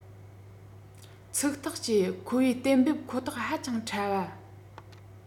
ཚིག ཐག བཅད ཁོ པའི གཏན འབེབས ཁོ ཐག ཧ ཅང ཕྲ བ